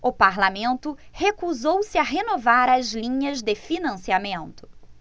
o parlamento recusou-se a renovar as linhas de financiamento